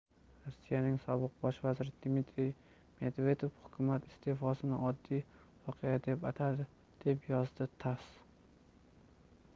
rossiyaning sobiq bosh vaziri dmitriy medvedev hukumat iste'fosini oddiy voqea deb atadi deb yozadi tass